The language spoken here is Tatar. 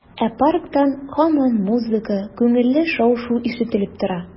Ә парктан һаман музыка, күңелле шау-шу ишетелеп тора.